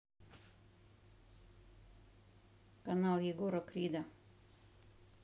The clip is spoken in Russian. канал егора крида